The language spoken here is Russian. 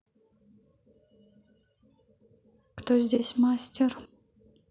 кто здесь мастер